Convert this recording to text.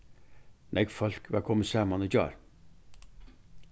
nógv fólk var komið saman í gjár